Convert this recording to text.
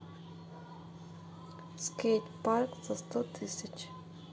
скейт парк за сто тысяч